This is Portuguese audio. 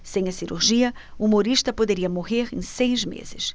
sem a cirurgia humorista poderia morrer em seis meses